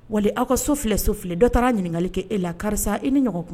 Wali aw ka so filɛ so filɛ dɔ taara ɲininkakali kɛ e la karisa i ni ɲɔgɔn kuma